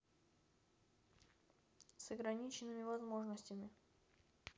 с ограниченными возможностями